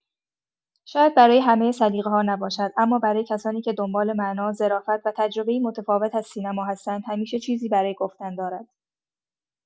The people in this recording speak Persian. شاید برای همه سلیقه‌ها نباشد، اما برای کسانی که دنبال معنا، ظرافت و تجربه‌ای متفاوت از سینما هستند، همیشه چیزی برای گفتن دارد.